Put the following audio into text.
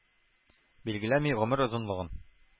Билгеләми гомер озынлыгын